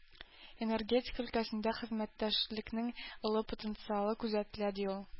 Энергетика өлкәсендә хезмәттәшлекнең олы потенциалы күзәтелә, ди ул.